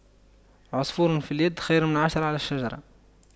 عصفور في اليد خير من عشرة على الشجرة